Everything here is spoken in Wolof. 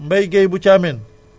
Mbaye Guèye bu Thiamène